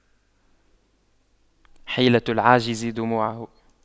حيلة العاجز دموعه